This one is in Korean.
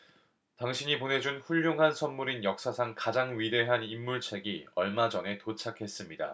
당신이 보내 준 훌륭한 선물인 역사상 가장 위대한 인물 책이 얼마 전에 도착했습니다